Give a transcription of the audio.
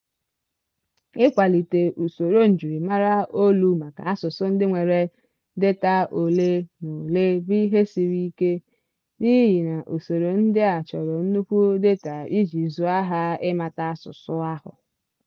Ịkwalite usoro njirimara olu maka asụsụ ndị nwere data ole na ole bụ ihe siri ike, n'ihi na usoro ndị a chọrọ nnukwu data iji “zụ̀ọ́” ha ịmata asụsụ ahụ.